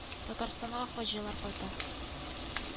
Татарстанга хаҗилар кайта